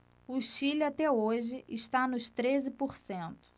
o chile até hoje está nos treze por cento